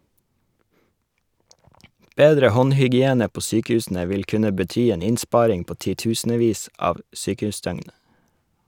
Bedre håndhygiene på sykehusene vil kunne bety en innsparing på titusenvis av sykehusdøgn.